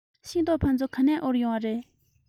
ཤིང ཏོག ཕ ཚོ ག ནས དབོར ཡོང བ རེད